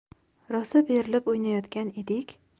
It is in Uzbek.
rosa berilib o'ynayotgan edik